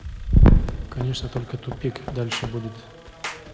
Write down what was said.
конечно только тупик дальше будет